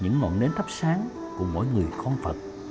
những ngọn nến thắp sáng của mỗi người con phật